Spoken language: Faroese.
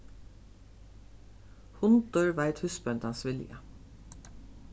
hundur veit húsbóndans vilja